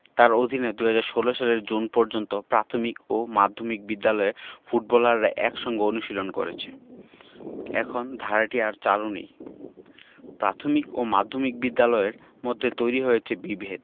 তাঁর অধীনে ২০১৬ সালের জুন পর্যন্ত প্রাথমিক ও মাধ্যমিক বিদ্যালয়ের ফুটবলাররা একসঙ্গে অনুশীলন করেছে এখন ধারাটি আর চালু নেই প্রাথমিক ও মাধ্যমিক বিদ্যালয়ের মধ্যে তৈরি হয়েছে বিভেদ